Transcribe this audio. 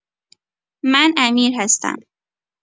من امیر هستم.